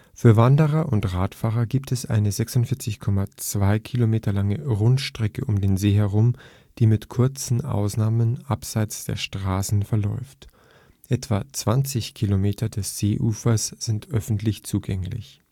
Für Wanderer und Radfahrer gibt es eine 46,2 km lange Rundstrecke um den See herum, die mit kurzen Ausnahmen abseits der Straßen verläuft. Etwa 20 Kilometer des Seeufers sind öffentlich zugänglich